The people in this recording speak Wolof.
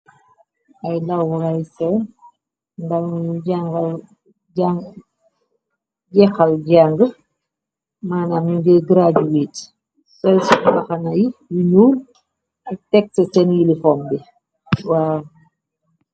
Ay dawuray se ndaw mu jexal jàng manami ngir graduate felsuk naxanay yu ñuur ak teg sa senilifom bi waa.